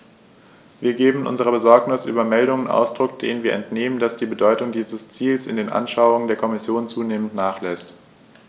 Wir geben unserer Besorgnis über Meldungen Ausdruck, denen wir entnehmen, dass die Bedeutung dieses Ziels in den Anschauungen der Kommission zunehmend nachlässt.